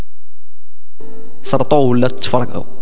ارطغرل